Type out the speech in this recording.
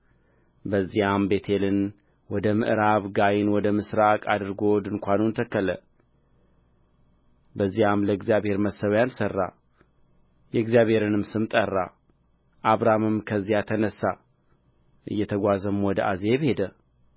በዚያም ቤቴልን ወደ ምዕራብ ጋይን ወደ ምሥራቅ አድርጎ ድንኳኑን ተከለ በዚያም ለእግዚአብሔር መሠውያን ሠራ የእግዚአብሔርንም ስም ጠራ አብራምም ከዚያ ተነሣ እየተጓዘም ወደ አዜብ ሄደ